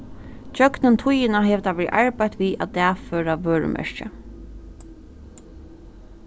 gjøgnum tíðina hevur tað verið arbeitt við at dagføra vørumerkið